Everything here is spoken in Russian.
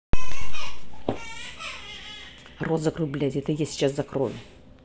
рот закрой блядь это я сейчас закрою